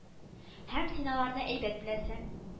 Һәм син аларны әйбәт беләсең